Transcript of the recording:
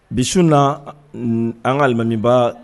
Bi na an kalimamiba